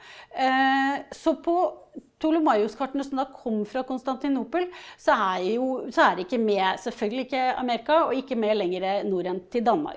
så på Ptolemaios-kartene som da kom fra Konstantinopel, så er jo, så er ikke med selvfølgelig ikke Amerika og ikke med lenger nord enn til Danmark.